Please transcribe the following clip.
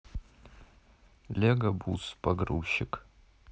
лего бус погрузчик